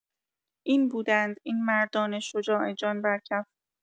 این بودند این مردان شجاع جان بر کف.